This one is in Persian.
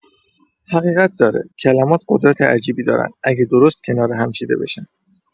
حقیقت داره، کلمات قدرت عجیبی دارن، اگه درست کنار هم چیده بشن.